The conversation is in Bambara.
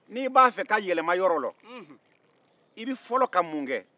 ni i b'a fɛ ka yɛlɛma yɔrɔ la i bɛ fɔlɔ ka mun kɛ